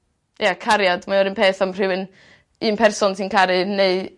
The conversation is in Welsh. ie cariad mae o'r un peth am rhywun un person ti'n caru neu